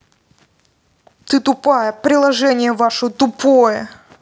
ты тупая приложение ваше тупое